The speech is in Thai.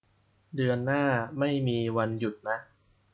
เดือนหน้าไม่มีวันหยุดนะ